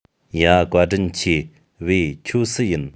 ཡ བཀའ དྲིན ཆེ བེ ཁྱོད སུ ཡིན